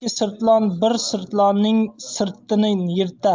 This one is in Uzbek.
ikki sirtlon bir sirtlonning sirtin yirtar